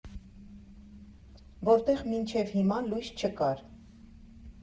Որտեղ մինչև հիմա լույս չկա՜ր…